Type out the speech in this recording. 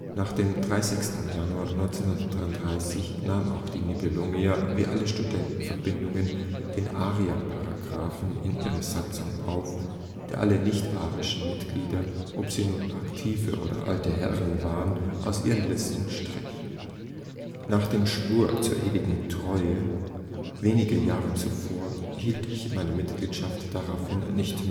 Nach dem 30. Januar 1933 nahm auch die ‚ Nibelungia ‘, wie alle Studentenverbindungen, den ‚ Arierparagraphen ‘in ihre Satzung auf, der alle nichtarischen Mitglieder, ob sie nun Aktive oder Alte Herren waren, aus ihren Listen strich. Nach dem Schwur zur ewigen Treue wenige Jahre zuvor hielt ich meine Mitgliedschaft daraufhin nicht